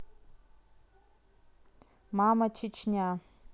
мама чечня